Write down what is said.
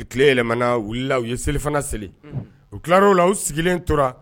Tile yɛlɛmana u wulila u ye selifana seli unhun u tilar'o la u sigilen tora